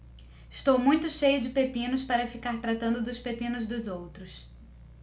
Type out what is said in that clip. estou muito cheio de pepinos para ficar tratando dos pepinos dos outros